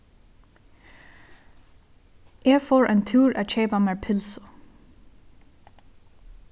eg fór ein túr at keypa mær pylsu